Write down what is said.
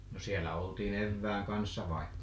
no siellä oltiin evään kanssa vai